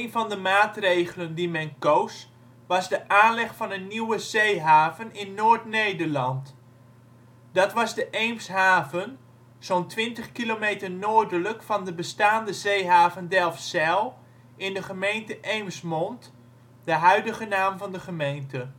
van de maatregelen die men koos was de aanleg van een nieuwe zeehaven in Noord-Nederland. Dat was de Eemshaven, zo 'n 20 kilometer noordelijk van de bestaande zeehaven Delfzijl, in de gemeente Eemsmond (huidige naam van de gemeente